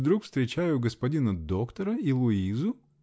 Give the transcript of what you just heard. и вдруг встречаю господина доктора и Луизу.